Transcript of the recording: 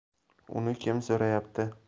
uni kim so'rayapti